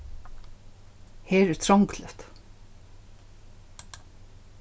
her er trongligt